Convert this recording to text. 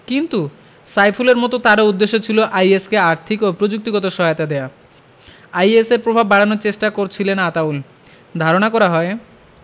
কিন্তু সাইফুলের মতো তারও উদ্দেশ্য ছিল আইএস কে আর্থিক ও প্রযুক্তিগত সহায়তা দেয়া আইএসের প্রভাব বাড়ানোর চেষ্টা করছিলেন আতাউল ধারণা করা হয়